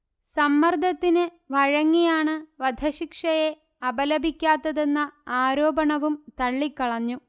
സമ്മർദത്തിൻവഴങ്ങിയാണ് വധശിക്ഷയെ അപലപിക്കാത്തതെന്ന ആരോപണവും തള്ളിക്കളഞ്ഞു